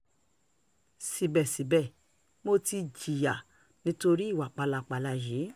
Síbẹ̀síbẹ̀, mo ti jìyà nítorí ìwà pálapàla yìí.